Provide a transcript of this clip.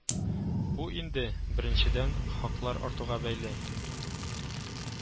Бу инде, беренчедән, хаклар артуга бәйле